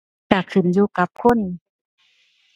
ก็ขึ้นอยู่กับคน